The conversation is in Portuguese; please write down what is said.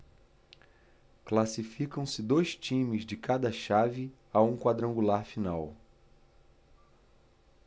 classificam-se dois times de cada chave a um quadrangular final